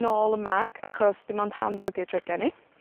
nôl 'ym mag, achos dim ond hand luggage oedd gen i.